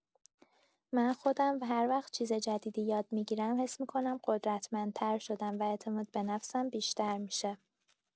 من خودم هر وقت چیز جدیدی یاد می‌گیرم، حس می‌کنم قدرتمندتر شدم و اعتماد به نفسم بیشتر می‌شه.